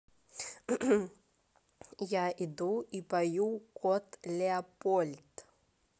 я иду и пою кот леопольд